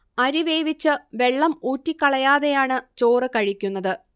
അരി വേവിച്ച് വെള്ളം ഊറ്റിക്കളയാതെയാണ് ചോറ് കഴിക്കുന്നത്